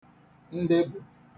ndebù